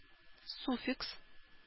Суффикс